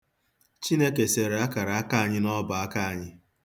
Chineke sere akaraka anyị n'ọbọaka anyị.